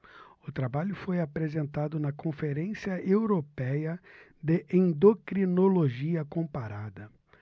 o trabalho foi apresentado na conferência européia de endocrinologia comparada